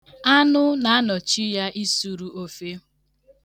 Anụ na anọchi ya isuru ofe.